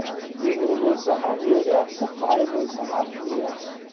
egri bo'lsa ham yo'l yaxshi qari bo'lsa ham qiz yaxshi